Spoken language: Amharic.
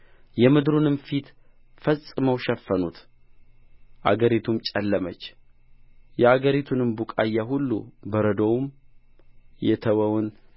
የምድሩንም ፊት ፈጽመው ሸፈኑት አገሪቱም ጨለመች የአገሪቱን ቡቃያ ሁሉ በረዶውም የተወውን